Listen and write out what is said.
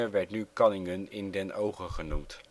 werd nu Callingen in den Oge genoemd